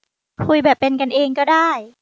คุยแบบเป็นกันเองก็ได้